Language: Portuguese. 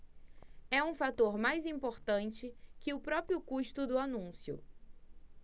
é um fator mais importante que o próprio custo do anúncio